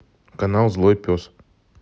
канал злой пес